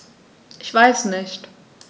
Ich weiß nicht.